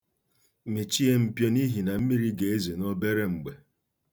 Mechie m̀pio n'ihì mmiri na gà-èzo n'obere m̀gbè.